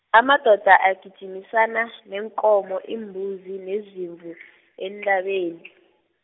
amadoda agijimisana, neenkomo iimbuzi nezimvu, eentabeni.